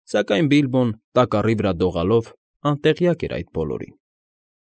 Սակայն Բիլբոն, տակառի վրա դողալով, անտեղյակ էր այդ բոլորին։